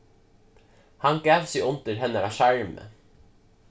hann gav seg undir hennara sjarmu